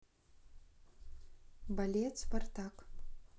балет спартак